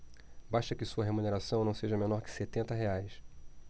basta que sua remuneração não seja menor que setenta reais